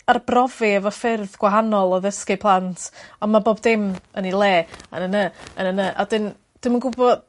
arbrofi efo ffyrdd gwahanol o ddysgu plant a ma' bob dim yn ei le a ny ny a ny ny a 'dyn dim yn gwbo